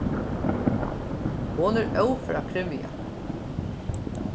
hon er ófør at kryvja